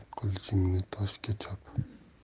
qilichingni toshga chop